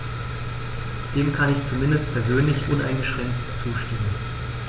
Dem kann ich zumindest persönlich uneingeschränkt zustimmen.